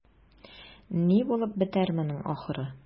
Ни булып бетәр моның ахыры?